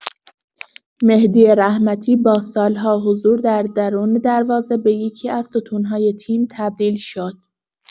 مهدی رحمتی با سال‌ها حضور در درون دروازه به یکی‌از ستون‌های تیم تبدیل شد.